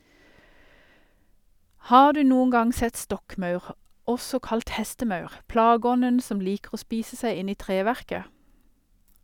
Har du noen gang sett stokkmaur, også kalt hestemaur, plageånden som liker å spise seg inn i treverket?